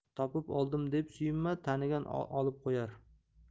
topib oldim deb suyunma tanigan olib qo'yar